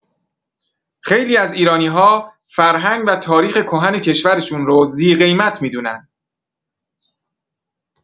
خیلی از ایرانی‌‌ها، فرهنگ و تاریخ کهن کشورشون رو ذی‌قیمت می‌دونن.